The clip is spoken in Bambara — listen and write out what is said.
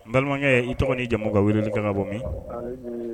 N balimaw n y'a ye i tɔgɔ ni i jamu ka weleli kɛ ka bɔ min